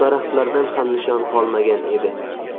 daraxtlardan ham nishon qolmagan edi